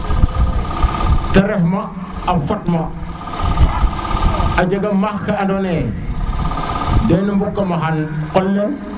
te ref ma a fot ma a jega max ka ando na ye den na muko maxa qol le